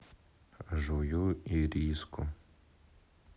жую ириску